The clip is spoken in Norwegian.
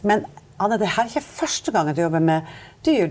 men Anne det her er ikke første gangen du jobber med dyr.